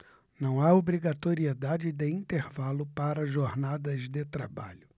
não há obrigatoriedade de intervalo para jornadas de trabalho